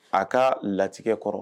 A ka latigɛ kɔrɔ